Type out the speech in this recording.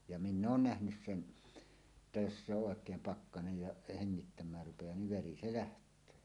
ja minä olen nähnyt sen että jos se oikein pakkanen ja hengittämään rupeaa niin veri se lähtee